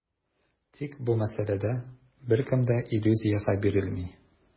Тик бу мәсьәләдә беркем дә иллюзиягә бирелми.